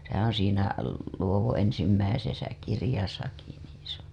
sehän on siinä Luodon ensimmäisessä kirjassakin niin se on